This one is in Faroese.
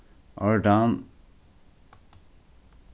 ordan